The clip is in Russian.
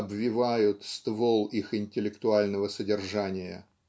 обвивают ствол их интеллектуального содержания.